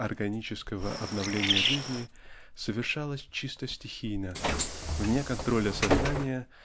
органического обновления жизни совершалась чисто стихийно вне контроля сознания